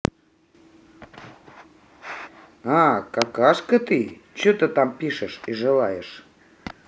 a какашка ты чего там пишешь и желаешь